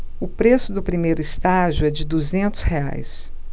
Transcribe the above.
o preço do primeiro estágio é de duzentos reais